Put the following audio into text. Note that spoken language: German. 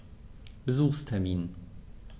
Besuchstermin